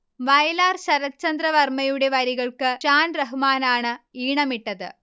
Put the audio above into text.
വയലാർ ശരത്ചന്ദ്ര വർമയുടെ വരികൾക്ക് ഷാൻ റഹ്മാനാണ് ഈണമിട്ടത്